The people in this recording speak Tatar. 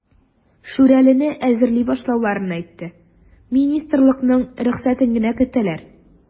"шүрәле"не әзерли башлауларын әйтте, министрлыкның рөхсәтен генә көтәләр.